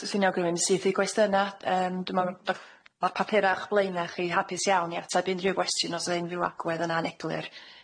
Na s- swni'n awgrymu'n syth i gwestiyna yym dwi me'wl ma' ma' papura o'ch blaena chi hapus iawn i atab unrhyw gwestiwn os o'dd unrhyw agwedd yna'n aneglur.